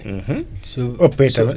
su ëppee solo